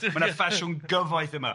Ma'na ffasiwn gyfoeth yma!